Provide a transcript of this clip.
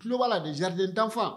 Tulo'a la de ziriden danfa